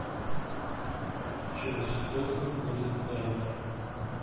через сколько будет таймер